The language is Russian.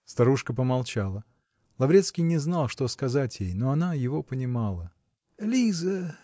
Старушка помолчала; Лаврецкий не знал, что сказать ей; но она его понимала. -- Лиза.